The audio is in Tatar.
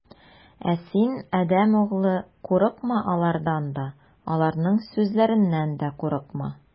Ә син, адәм углы, курыкма алардан да, аларның сүзләреннән дә курыкма.